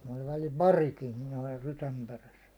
oli välillä parikin minulla rysän perässä